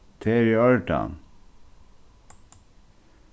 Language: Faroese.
tað er í ordan